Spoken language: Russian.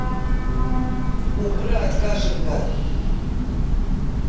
убрать кашинка